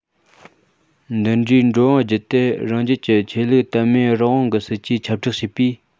འདི འདྲའི འགྲོ འོང བརྒྱུད དེ རང རྒྱལ གྱི ཆོས ལུགས དད མོས རང དབང གི སྲིད ཇུས ཁྱབ བསྒྲགས བྱས པས